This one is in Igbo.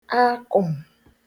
akụ̀m̀